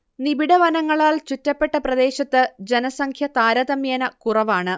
നിബിഢ വനങ്ങളാൽ ചുറ്റപ്പെട്ട പ്രദേശത്ത് ജനസംഖ്യ താരതമ്യേന കുറവാണ്